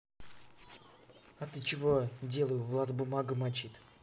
а ты чего делаю влада бумаги мочит